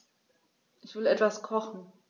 Ich will etwas kochen.